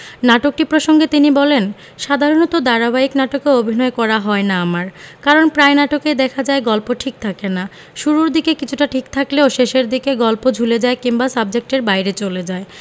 নাটকটি প্রসঙ্গে তিনি বলেন সাধারণত ধারাবাহিক নাটকে অভিনয় করা হয় না আমার কারণ প্রায় নাটকেই দেখা যায় গল্প ঠিক থাকে না শুরুর দিকে কিছুটা ঠিক থাকলেও শেষের দিকে গল্প ঝুলে যায় কিংবা সাবজেক্টের বাইরে চলে যায়